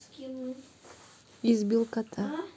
избил кота